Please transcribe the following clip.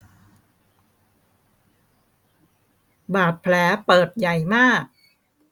บาดแผลเปิดใหญ่มาก